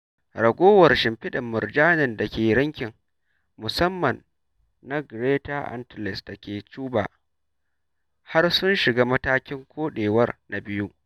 Ragowar shimfiɗar murjanin da ke yankin, musamman ma na Greater Antilles da na cuba, har sun shiga matakin koɗewa na biyu.